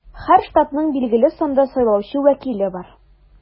Һәр штатның билгеле санда сайлаучы вәкиле бар.